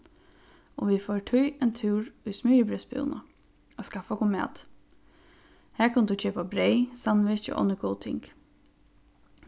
og vit fóru tí ein túr í smyrjibreyðsbúðina at skaffa okkum mat har kundi tú keypa breyð sandwich og onnur góð ting